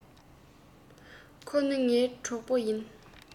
ཁོ ནི ངའི གྲོགས པོ ཡིན